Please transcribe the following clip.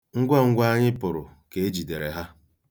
Ngwa ngwa anyị pụrụ ka e jidere ha.